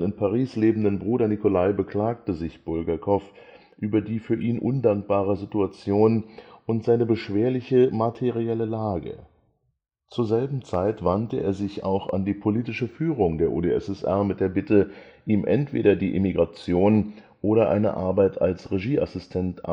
Paris lebenden Bruder Nikolai beklagte sich Bulgakow über die für ihn undankbare Situation und seine beschwerliche materielle Lage. Zur selben Zeit wandte er sich auch an die politische Führung der UdSSR mit der Bitte, ihm entweder die Emigration oder eine Arbeit als Regie-Assistent